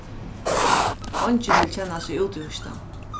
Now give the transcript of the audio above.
eingin vil kenna seg útihýstan